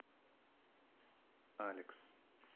алекс